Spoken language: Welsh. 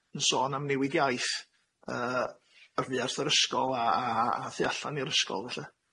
yn sôn am newid iaith yy ar fuarth yr ysgol a a a a thu allan i'r ysgol felly.